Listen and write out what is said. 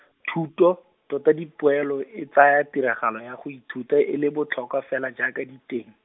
thuto, tota dipoelo e tsaya tiragalo ya go ithuta e le botlhokwa fela jaaka diteng.